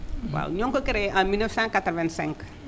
waaw ñoo ngi ko crée en 1985